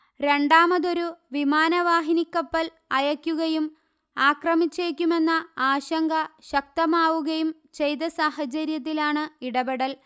രണ്ടാമതൊരു വിമാനവാഹിനിക്കപ്പൽ അയക്കുകയും ആക്രമിച്ചേക്കുമെന്ന ആശങ്ക ശക്തമാവുകയും ചെയ്ത സാഹചര്യത്തിലാണ് ഇടപെടൽ